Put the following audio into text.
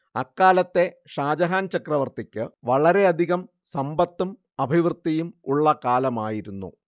അക്കാലത്തെ ഷാജഹാൻ ചക്രവർത്തിക്ക് വളരെയധികം സമ്പത്തും അഭിവൃദ്ധിയും ഉള്ള കാലമായിരുന്നു